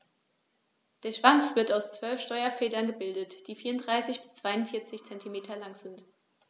Der Schwanz wird aus 12 Steuerfedern gebildet, die 34 bis 42 cm lang sind.